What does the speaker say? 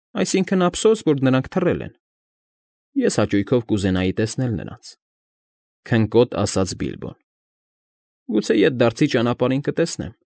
Այսինքն՝ ափսոս, որ նրանք թռել են, ես հաճույքով կուզենայի տեսնել նրանց,֊ քնկոտ ասաց Բիլբոն։֊ Գուցե ետդարձի ճանապարհին կտեսնեմ։